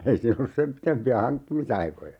ei siinä ollut sen pitempiä hankkimisaikoja